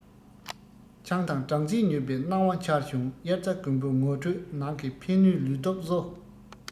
ཆང དང སྦྲང རྩིས མྱོས པའི སྣང བ འཆར བྱུང དབྱར རྩྭ དགུན འབུ ངོ སྤྲོད ནང གི ཕན ནུས ལུས སྟོབས གསོ